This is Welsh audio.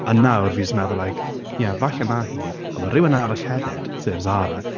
A nawr fi jyst yn meddwl like ie falle mae hi a mae rhywun arall hefyd, sef Zara.